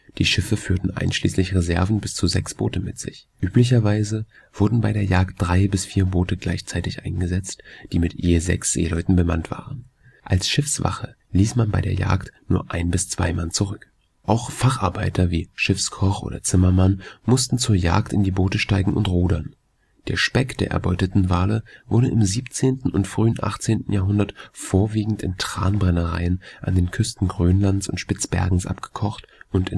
Die Schiffe führten einschließlich Reserven bis zu sechs Boote mit sich. Üblicherweise wurden bei der Jagd drei bis vier Boote gleichzeitig eingesetzt, die mit je sechs Seeleuten bemannt waren. Als Schiffswache ließ man bei der Jagd nur ein bis zwei Mann zurück. Auch „ Facharbeiter “wie Schiffskoch oder - zimmermann mussten zur Jagd in die Boote steigen und rudern. Der Speck der erbeuteten Wale wurde im 17. und frühen 18. Jahrhundert vorwiegend in Tranbrennereien an den Küsten Grönlands und Spitzbergens abgekocht und